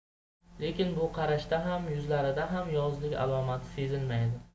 lekin bu qarashda ham yuzlarida ham yovuzlik alomati sezilmaydi